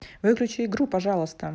выключи игру пожалуйста